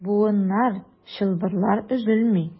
Буыннар, чылбырлар өзелми.